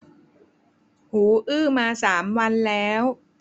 หูอื้อมาสามวันแล้ว